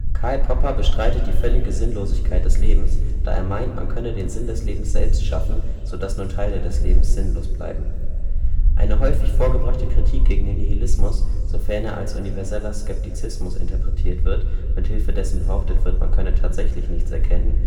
Karl Popper bestreitet die völlige Sinnlosigkeit des Lebens, da er meint, man könne den Sinn des Lebens selbst schaffen, so dass nur Teile des Lebens sinnlos blieben. Eine häufig vorgebrachte Kritik gegen den Nihilismus, sofern er als universeller Skeptizismus interpretiert wird, mithilfe dessen behauptet wird, man könne tatsächlich nichts erkennen